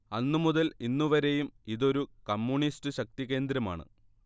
അന്നു മുതൽ ഇന്നു വരെയും ഇതൊരു കമ്മ്യൂണിസ്റ്റ് ശക്തി കേന്ദ്രമാണ്